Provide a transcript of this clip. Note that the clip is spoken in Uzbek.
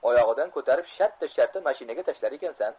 oyog'idan ko'tarib shartta shartta mashinaga tashlar ekansan